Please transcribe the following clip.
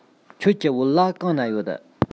ཁྱོད ཀྱི བོད ལྭ གང ན ཡོད